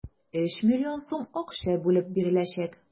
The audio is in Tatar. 3 млн сум акча бүлеп биреләчәк.